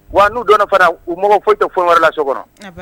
Wa n'u donna fana u mɔgɔ foyi te foyi wɛrɛ la so kɔnɔ a ban